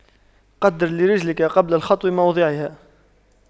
قَدِّرْ لِرِجْلِكَ قبل الخطو موضعها